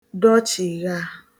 dọchìgha